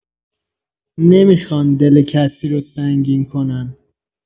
نمی‌خوان دل کسی رو سنگین کنن.